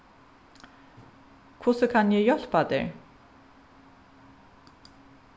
hvussu kann eg hjálpa tær